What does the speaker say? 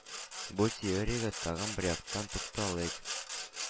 Бу теориягә тагын бер яктан тукталыйк.